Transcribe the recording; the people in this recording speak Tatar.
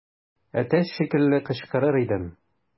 Әтәч шикелле кычкырыр идем.